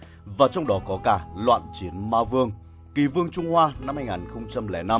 trong đó có loạn chiến ma vương hồng trí kỳ vương trung hoa năm